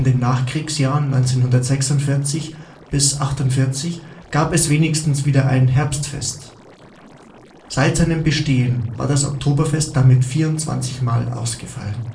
Nachkriegsjahren 1946 bis 1948 gab es wenigstens wieder ein „ Herbstfest “. Seit seinem Bestehen war das Oktoberfest damit 24mal ausgefallen